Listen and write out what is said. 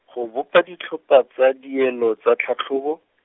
go bopa ditlhopha tsa dielo tsa tlhatlhobo.